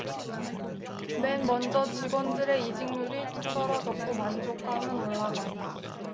맨먼저 직원들의 이직률이 뚝 떨어졌고 만족감은 올라갔다